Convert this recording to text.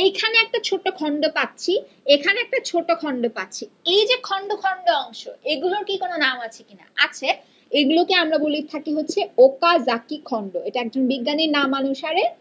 এইখানে একটা ছোট খন্ড পাচ্ছি এইখানে একটা ছোট খন্ড পাচ্ছি এই যে খন্ড খন্ড অংশ এইগুলোর কি কোন নাম আছে কিনা আছে এগুলো কে আমরা বলে থাকি হচ্ছেোকাজাকি খন্ড এটা একজন বিজ্ঞানীর নামানুসারে